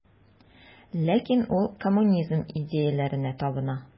Ләкин ул коммунизм идеяләренә табына.